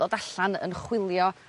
ddod allan yn chwilio